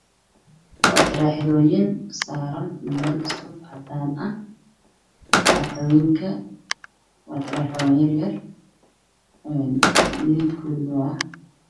Waa taraaxadooyin saaran meel cusub cadaan ah taraaxoyinka midabkooda waa